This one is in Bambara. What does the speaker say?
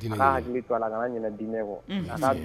A ka hakili to a la, a ka na ɲinɛ kɔ. Unhun